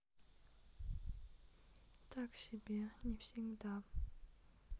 так себе не всегда